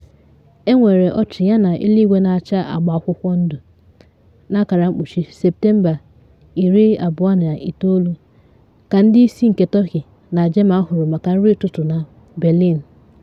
Enwere ọchị yana eluigwe na acha agba akwụkwọ ndụ (Septemba 29) ka ndị isi nke Turkey na Germany hụrụ maka nri ụtụtụ na Berlin.